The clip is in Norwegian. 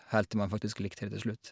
Helt til man faktisk likte det til slutt.